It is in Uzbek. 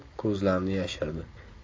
ko'zlarini yashirdi